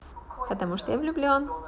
потому что я влюблен